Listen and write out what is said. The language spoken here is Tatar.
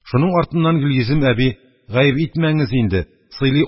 Шуның артыннан Гөлйөзем әби: «Гаеп итмәңез инде, сыйлый